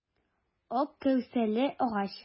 Ак кәүсәле агач.